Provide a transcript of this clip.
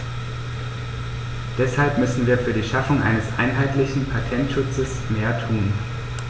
Deshalb müssen wir für die Schaffung eines einheitlichen Patentschutzes mehr tun.